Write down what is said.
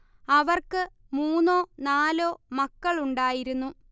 അവർക്ക് മൂന്നോ നാലോ മക്കൾ ഉണ്ടായിരുന്നു